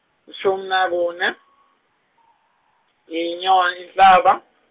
lishumi nakunye inyoni Inhlaba.